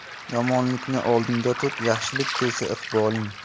yomonlikni oldingda tut yaxshilik kelsa iqboling